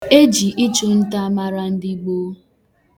Eji ịchụ nta mara ndị gboo.